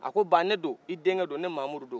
a ko ba ne do i denkɛ mahamudu do